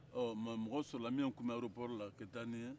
mɛ mɔgɔ sɔrɔ la min ye n kun bɛ pankuruntayɔrɔla ka taa nin ye